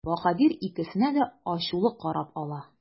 Баһадир икесенә дә ачулы карап ала.